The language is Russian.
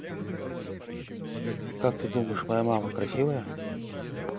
как ты думаешь моя мама красивая